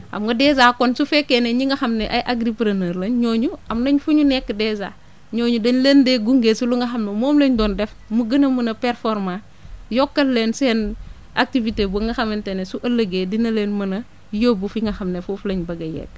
xam nga dèjà kon su fekkee ne ñi nga xam ne ay agripreneurs lañ énooñu am nañ fu ñu nekk dèjà ñooñu dañ leen dee gunge si lu nga xam ne moom lañ doon def mu gën a mun a performant yokkal leen seen activité ba nga xamante ne su ëllëgee dina leen mën a yóbbu fi nga xam ne foofu lañ bëgg a yegg